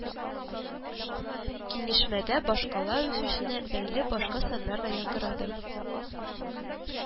Киңәшмәдә башкала үсешенә бәйле башка саннар да яңгырады